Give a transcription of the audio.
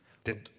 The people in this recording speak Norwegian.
det .